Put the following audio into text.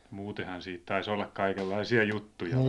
muutenhan siitä taisi olla kaikenlaisia juttuja